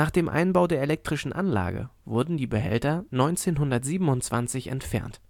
dem Einbau der elektrischen Anlage wurden die Behälter 1927 entfernt